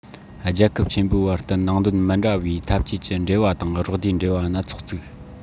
རྒྱལ ཁབ ཆེན པོའི བར དུ ནང དོན མི འདྲ བའི འཐབ ཇུས ཀྱི འབྲེལ བ དང རོགས ཟླའི འབྲེལ བ སྣ ཚོགས བཙུགས